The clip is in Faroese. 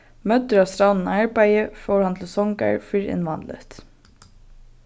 møddur av strævnum arbeiði fór hann til songar fyrr enn vanligt